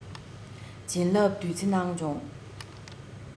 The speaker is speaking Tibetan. བྱིན བརླབས བདུད རྩི གནང བྱུང